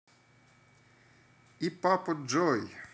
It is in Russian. и папа джой